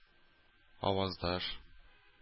Аваздаш